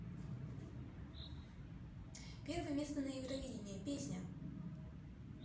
первое место на евровидении песня